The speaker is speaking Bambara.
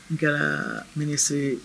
Nka kɛra m se